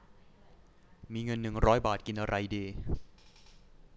มีเงินหนึ่งร้อยบาทกินอะไรดี